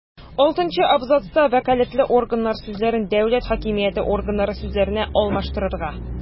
Алтынчы абзацта «вәкаләтле органнар» сүзләрен «дәүләт хакимияте органнары» сүзләренә алмаштырырга;